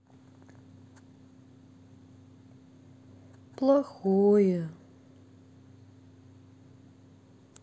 плохое